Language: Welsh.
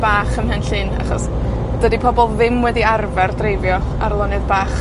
bach ym Mhenllyn achos, dydi pobol ddim wedi arfer dreifio ar y lonydd bach.